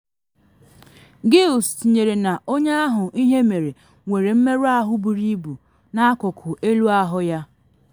Giles tinyere na onye ahụ ihe mere nwere mmerụ ahụ buru ibu n’akụkụ elu ahụ ya.